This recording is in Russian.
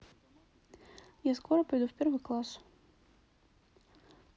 я скоро пойду в первый класс